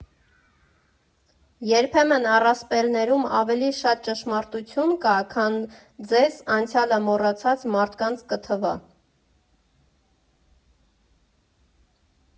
Երբեմն առասպելներում ավելի շատ ճշմարտություն կա, քան ձեզ՝ անցյալը մոռացած մարդկանց կթվա։